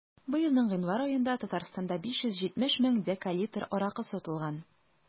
Быелның гыйнвар аенда Татарстанда 570 мең декалитр аракы сатылган.